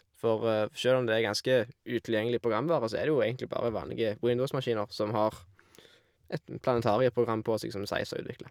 For sjøl om det er ganske utilgjengelig programvare, så er det jo egentlig bare vanlige Windows-maskiner som har et m planetarieprogram på seg som Zeiss har utvikla.